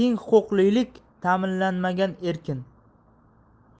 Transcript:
huquqlilik ta'minlanmagan erkin